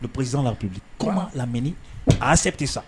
Psi p kɔrɔ laini a sɛbɛnti sa